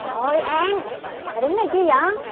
trời ơi an bà đứng đây chi dợ